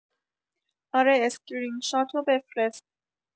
آره اسکرین شاتو بفرست